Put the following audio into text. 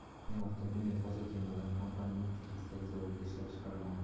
ayni vaqtda bunday fazo kemalari kompaniyaning texasdagi zavodida ishlab chiqarilmoqda